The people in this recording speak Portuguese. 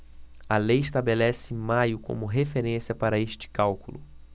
a lei estabelece maio como referência para este cálculo